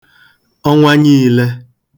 ọnwa nyiīlē